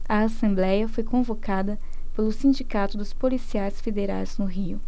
a assembléia foi convocada pelo sindicato dos policiais federais no rio